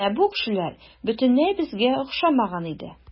Әмма бу кешеләр бөтенләй безгә охшамаган иде.